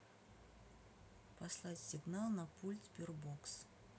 послать сигнал на пульт sberbox